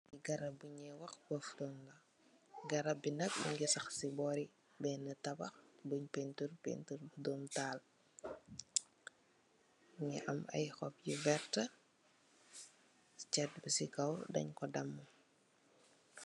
garap bu nyu wakh poftun, garap bi nak mungi sakh ci bori tabakh buñ paintur, paintur bu domi taal mungi am aye khop yu werta chatt busi kaw danye ku dama